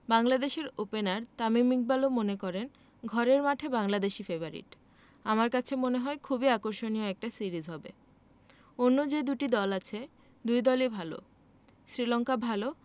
বাংলাদেশের ওপেনার তামিম ইকবালও মনে করেন ঘরের মাঠে বাংলাদেশই ফেবারিট আমার কাছে মনে হয় খুবই আকর্ষণীয় একটা সিরিজ হবে অন্য যে দুটি দল আছে দুই দলই ভালো। শ্রীলঙ্কা ভালো